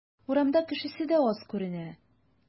Урамда кешесе дә аз күренә.